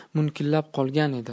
munkillab qolgan edi